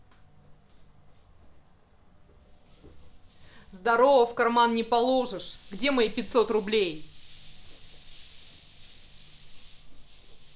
здорово в карман не положишь где мои пятьсот рублей